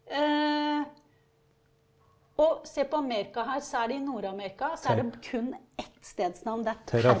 og se på Amerika her særlig i Nord-Amerika så er det kun ett stedsnavn, det er.